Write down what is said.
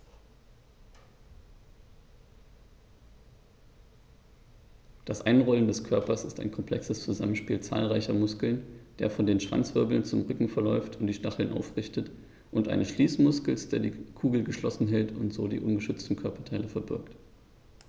Das Einrollen des Körpers ist ein komplexes Zusammenspiel zahlreicher Muskeln, der von den Schwanzwirbeln zum Rücken verläuft und die Stacheln aufrichtet, und eines Schließmuskels, der die Kugel geschlossen hält und so die ungeschützten Körperteile verbirgt.